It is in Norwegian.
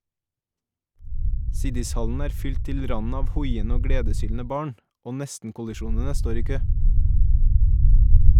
Siddishallen er fylt til randen av hoiende og gledeshylende barn, og nestenkollisjonene står i kø.